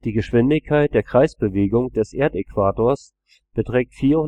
Geschwindigkeit der Kreisbewegung des Erdäquators beträgt 464